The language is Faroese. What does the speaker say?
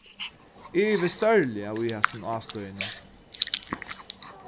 eg ivist stórliga í hasum ástøðinum